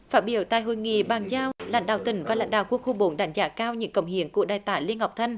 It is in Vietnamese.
phát biểu tại hội nghị bàn giao lãnh đạo tỉnh và lãnh đạo quân khu bốn đánh giá cao những cống hiến của đại tá lê ngọc thanh